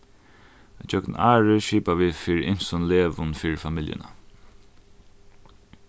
ígjøgnum árið skipa vit fyri ymsum legum fyri familjuna